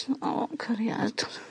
O cariad.